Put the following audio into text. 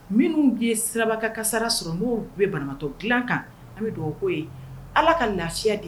Minnu ye siraba kasara sɔrɔ n' bɛ baratɔ dila kan an bɛ dugawu ko ye ala ka lafiya de ye